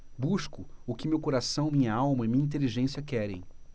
busco o que meu coração minha alma e minha inteligência querem